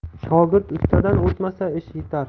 shogird ustadan o'tmasa ish yitar